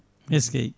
eskey